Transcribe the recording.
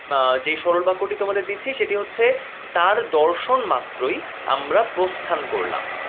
যে সরল বাক্য টি তোমাদের দিচ্ছি সেটি হচ্ছে তার দর্শন মাত্রই আমরা প্রস্থান করলাম তার দর্শন মাত্রই আমরা প্রস্থান করলাম